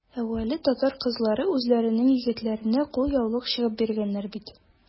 Әүвәле татар кызлары үзләренең егетләренә кулъяулык чигеп биргәннәр бит.